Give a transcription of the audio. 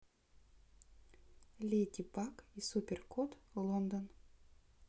леди баг и супер кот лондон